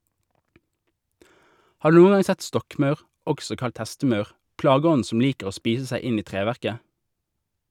Har du noen gang sett stokkmaur, også kalt hestemaur, plageånden som liker å spise seg inn i treverket?